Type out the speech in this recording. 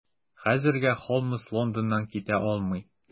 Хәзергә Холмс Лондоннан китә алмый.